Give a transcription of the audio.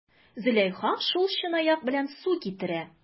Зөләйха шул чынаяк белән су китерә.